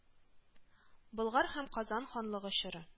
Болгар һәм Казан ханлыгы чоры